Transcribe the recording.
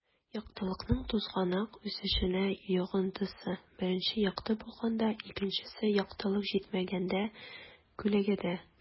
Яктылыкның тузганак үсешенә йогынтысы: 1 - якты булганда; 2 - яктылык җитмәгәндә (күләгәдә)